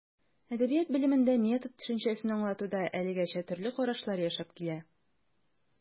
Әдәбият белемендә метод төшенчәсен аңлатуда әлегәчә төрле карашлар яшәп килә.